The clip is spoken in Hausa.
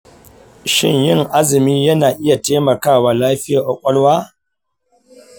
shin yin azumi yana iya taimakawa lafiyar kwakwalwa?